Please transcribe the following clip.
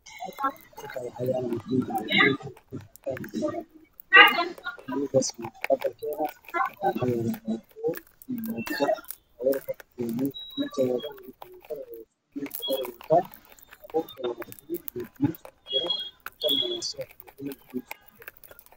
Meeshan waa kushiinka khudaarta lagu shiito